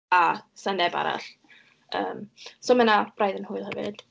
a 'sa neb arall. Yym, so ma' hynna braidd yn hwyl hefyd.